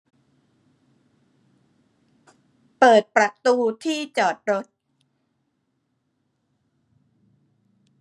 เปิดประตูที่จอดรถ